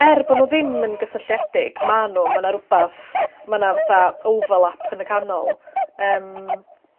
er bo' n'w ddim yn gysylltiedig ma' n'w ma' 'na rwbath ma' 'na fatha overlap yn y canol. Yym.